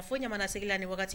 A fo jamanamanasigi la ni waati